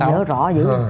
nhớ rõ dữ